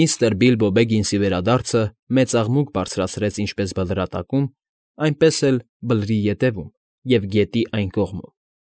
Միստր Բիլբո Բեգինսի վերադարձը մեծ աղմուկ բարձրացրեց ինչպես Բլրատակում, այնպես էլ Բլրի Ետևում և Գետի Այն Կողմում։